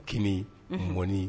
Kini, unhun, mɔni